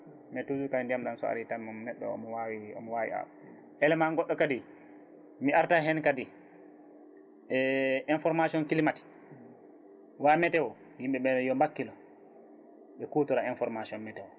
mais toujours tawi ndiyam ɗam so ari tan moom neɗɗo omo wawi omo wawi awde élément goɗɗo kadi mi arta hen kadi e information climatique wa météo yimɓeɓe yo mbakkilo ɓe kutoro information météo